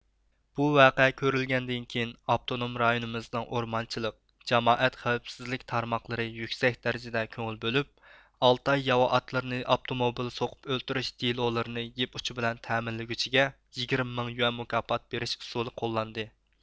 بۇ ۋەقە كۆرۈلگەندىن كېيىن ئاپتونوم رايونىمىزنىڭ ئورمانچىلىق جامائەت خەۋپسىزلىك تارماقلىرى يۈكسەك دەرىجىدە كۆڭۈل بۆلۈپ ئالتاي ياۋا ئاتلىرىنى ئاپتوموبىل سوقۇپ ئۆلتۈرۈش دېلولىرىنى يىپ ئۇچى بىلەن تەمىنلىگۈچىگە يىگىرمە مىڭ يۈەن مۇكاپات بېرىش ئۇسولى قوللاندى